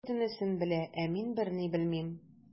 Ул бөтенесен белә, ә мин берни белмим.